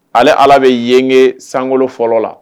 Ale ala bɛ yenge san fɔlɔ la